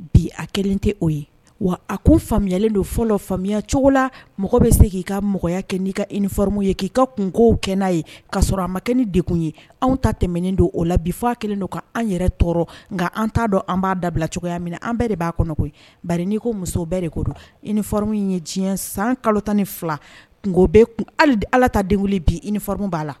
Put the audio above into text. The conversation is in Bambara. Bi a kelen tɛ o ye wa a kun fayalen don fɔlɔ faamuyaya cogo la mɔgɔ bɛ se k'i ka mɔgɔya kɛ n'i kaoromu ye k'i ka kunko kɛ' ye ka sɔrɔ an ma kɛ de tun ye anw ta tɛmɛen don o la bi fɔ kelen don'an yɛrɛ tɔɔrɔ nka an t'a dɔn an b'a dabila cogoyaya minɛ an bɛɛ de b'a kɔnɔ koyi bari n' ko musow bɛɛ de ko don ifarin ye diɲɛ san kalo tan ni fila kun bɛ ala ta den bi ifarin b'a la